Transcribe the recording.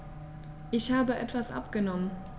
Ich habe etwas abgenommen.